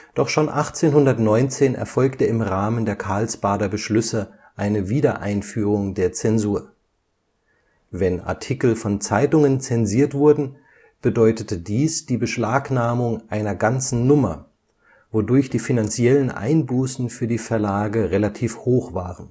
Doch schon 1819 erfolgte im Rahmen der Karlsbader Beschlüsse eine Wiedereinführung der Zensur. Wenn Artikel von Zeitungen zensiert wurden, bedeutete dies die Beschlagnahmung einer ganzen Nummer, wodurch die finanziellen Einbußen für die Verlage relativ hoch